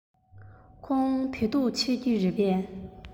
ཁོང བོད ཐུག མཆོད ཀྱི རེད པས